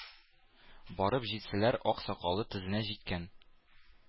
Барып җитсәләр, ак сакалы тезенә җиткән,